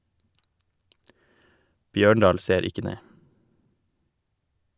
Bjørndahl ser ikke ned.